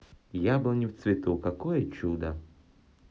яблони в цвету какое чудо